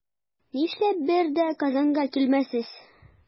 Нишләп бер дә Казанга килмисез?